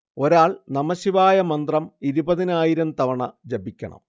ഒരാൾ നമഃശിവായ മന്ത്രം ഇരുപതിനായിരം തവണ ജപിക്കണം